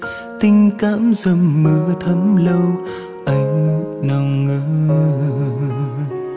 tình cảm dầm mưa thấm lâu anh nào ngờ